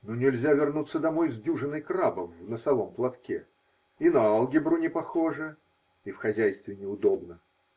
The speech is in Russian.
Но нельзя вернуться домой с дюжиной крабов в носовом платке: и на алгебру непохоже, и в хозяйстве неудобно.